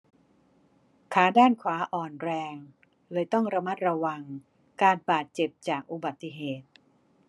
ขาด้านขวาอ่อนแรงเลยต้องระมัดระวังการบาดเจ็บจากอุบัติเหตุ